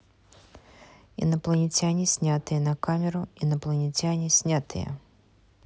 инопланетяне снятые на камеру инопланетяне снятые